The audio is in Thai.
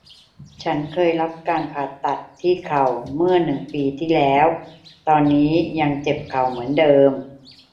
ฉันเคยรับการผ่าตัดที่เข่าเมื่อปีหนึ่งปีที่แล้วตอนนี้ยังเจ็บเข่าเหมือนเดิม